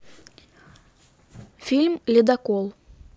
фильм ледокол